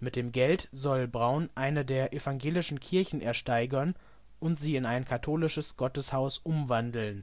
Mit dem Geld soll Braun eine der evangelischen Kirchen ersteigern und sie in ein katholisches Gotteshaus umwandeln